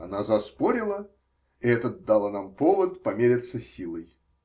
Она заспорила, и это дало нам повод померяться силой.